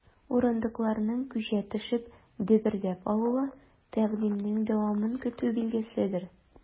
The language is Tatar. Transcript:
Урындыкларның, күчә төшеп, дөбердәп алуы— тәкъдимнең дәвамын көтү билгеседер.